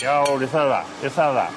Iawn itha dda, itha dda.